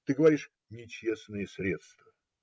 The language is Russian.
Ты говоришь: "нечестные средства"?